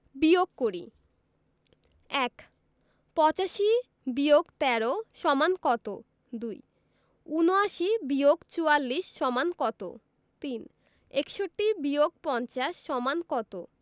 বিয়োগ করিঃ ১ ৮৫-১৩ = কত ২ ৭৯-৪৪ = কত ৩ ৬১-৫০ = কত